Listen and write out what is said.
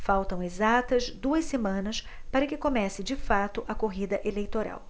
faltam exatas duas semanas para que comece de fato a corrida eleitoral